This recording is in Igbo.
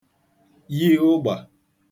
yi ụgbà